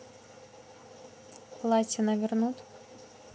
платина вернут